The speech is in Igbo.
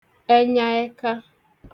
ẹnyaẹka